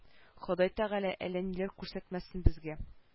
Ходай тәгалә әллә ниләр күрсәтмәсен безгә